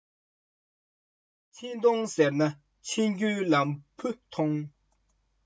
ཕྱིན གཏོང ཟེར ན ཕྱིན རྒྱུའི ལམ བུ ཐོང